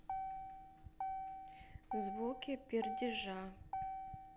звуки пердежа